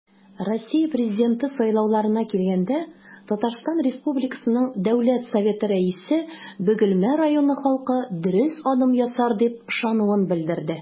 Россия Президенты сайлауларына килгәндә, ТР Дәүләт Советы Рәисе Бөгелмә районы халкы дөрес адым ясар дип ышануын белдерде.